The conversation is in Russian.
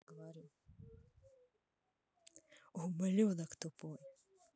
ублюдок тупой